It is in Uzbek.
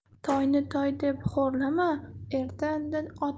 toyni toy deb xo'rlama erta indin ot bo'lar